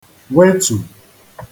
wetù